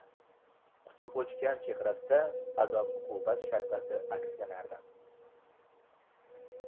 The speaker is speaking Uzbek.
quti o'chgan chehrasida azob uqubat sharpasi akslanardi